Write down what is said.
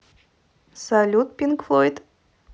салют pink floyd